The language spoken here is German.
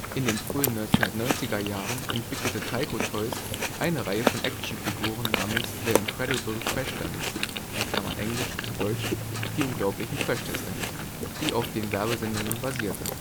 In den frühen 1990er Jahren entwickelte Tyco Toys eine Reihe von Actionfiguren namens The Incredible Crash Dummies (engl, zu deutsch: „ Die unglaublichen Crashtest-Dummies “), die auf den Werbesendungen basierte